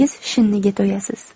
shinniga to'yasiz